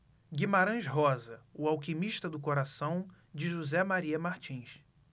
guimarães rosa o alquimista do coração de josé maria martins